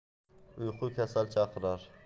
uyqu kasal chaqirar